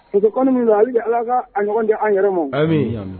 Muso hali ala ka a ɲɔgɔn di an yɛrɛ ma